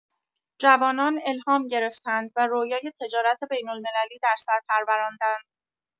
جوانان الهام گرفتند و رویای تجارت بین‌المللی در سر پروراندند.